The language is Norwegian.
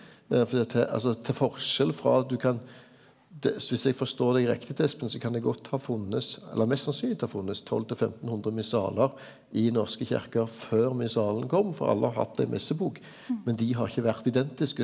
for det at altså til forskjell frå at du kan det viss eg forstår deg riktig Espen så kan det godt ha funnest eller mest sannsynleg ha funnest tolv til 1500 missalar i norske kyrkjer før missalen kom for alle har hatt ein messebok men dei har ikkje vore identiske.